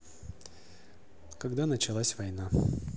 когда началась война